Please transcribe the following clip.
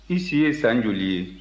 i si ye san joli ye